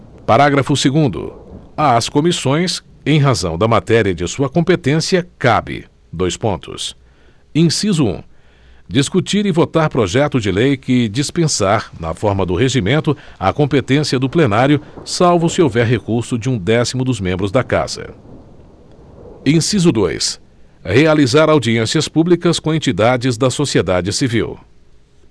parágrafo segundo às comissões em razão da matéria de sua competência cabe dois pontos inciso um discutir e votar projeto de lei que dispensar na forma do regimento a competência do plenário salvo se houver recurso de um décimo dos membros da casa inciso dois realizar audiências públicas com entidades da sociedade civil